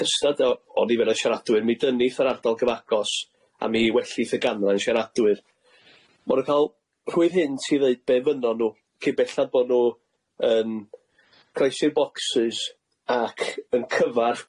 cystad o o nifer y siaradwyr mi dynith yr ardal gyfagos a mi wellith y ganran siaradwyr ma' n'w ca'l rhwydd hyn ti ddeud be' fynnon n'w cyn bellad bo' n'w yn croesi'r bocsys ac yn cyfarch